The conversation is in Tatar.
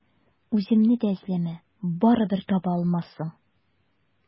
Үземне дә эзләмә, барыбер таба алмассың.